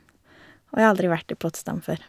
Og jeg har aldri vært i Potsdam før.